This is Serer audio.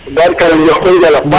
tubarkala Njoko njal a paax